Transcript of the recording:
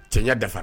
Cɛnya dafara